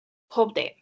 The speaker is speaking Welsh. Pob dim.